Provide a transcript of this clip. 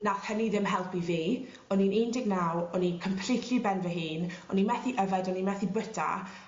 nath hynny ddim helpu fi o'n i'n un deg naw o'n i completely ben fy hun o'n i' methu yfed o'n i' methu byta